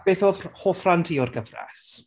Beth oedd rh- hoff ran ti o'r gyfres?